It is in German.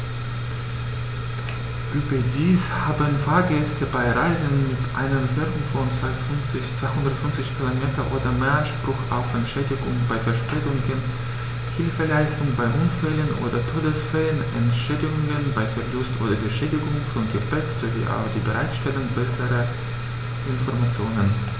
Überdies haben Fahrgäste bei Reisen mit einer Entfernung von 250 km oder mehr Anspruch auf Entschädigung bei Verspätungen, Hilfeleistung bei Unfällen oder Todesfällen, Entschädigung bei Verlust oder Beschädigung von Gepäck, sowie auf die Bereitstellung besserer Informationen.